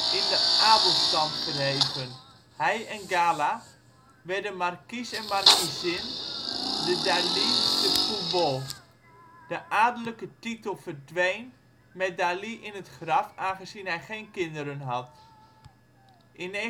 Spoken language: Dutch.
in de adelstand verheven. Hij en Gala werden markies en markiezin de Dalí de Pubol. De adellijke titel verdween met Dali in het graf aangezien hij geen kinderen had. In 1982